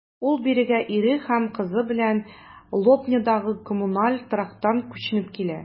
Ул бирегә ире һәм кызы белән Лобнядагы коммуналь торактан күчеп килә.